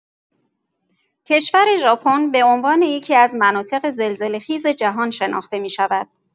کشور ژاپن به عنوان یکی‌از مناطق زلزله‌خیز جهان شناخته می‌شود.